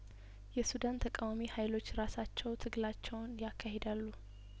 የሱዳን ተቃዋሚ ሀይሎች ራሳቸው ትግላቸውን ያካሂዳሉ